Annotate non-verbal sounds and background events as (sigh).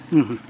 (hesitation) (hesitation)